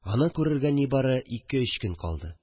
Аны күрергә нибары ике-өч көн калды